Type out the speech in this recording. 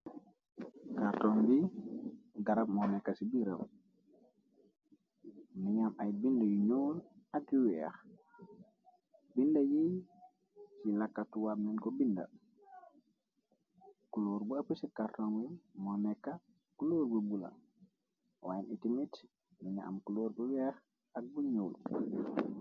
Kàrton bi garab moo nekka ci biraw niñaam ay bind yu ñool ak yu weex binda yi ci lakkatuwanen ko binda culoor bu ëpp ci karton wi moo nekka kuloor bu bula waayen iti mit naña am culoor bu weex ak bu ñyuul.